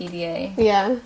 ...Pee Dee Aye. Ie.